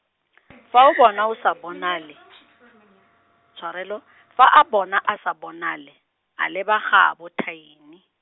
fa o bona o sa bonale, tshwarelo, fa a bona a sa bonale, a leba gaabo Tiny.